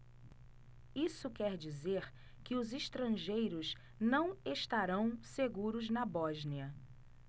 isso quer dizer que os estrangeiros não estarão seguros na bósnia